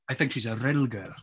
I think she's a Rhyl girl.